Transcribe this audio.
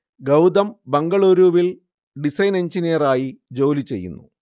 ഗൗതം ബെംഗളൂരുവിൽ ഡിസൈൻ എൻജിനീയറായി ജോലിചെയ്യുന്നു